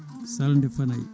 Salde Fanaye